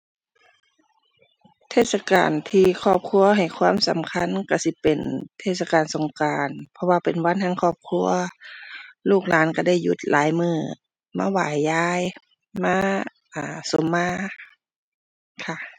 เทศกาลที่ครอบครัวให้ความสำคัญก็สิเป็นเทศกาลสงกรานต์ เพราะว่าเป็นวันแห่งครอบครัว ลูกหลานก็ได้หยุดหลายมื้อ มาไหว้ยาย มา อ่า สมมา ค่ะ